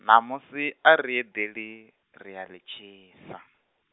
ṋamusi ari edeḽi, ri ali tshisa.